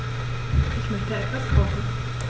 Ich möchte etwas kochen.